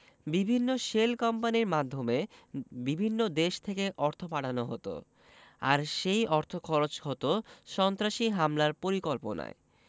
বিভিন্ন শেল কোম্পানির মাধ্যমে বিভিন্ন দেশ থেকে অর্থ পাঠানো হতো আর সেই অর্থ খরচ করা হতো সন্ত্রাসী হামলার পরিকল্পনায়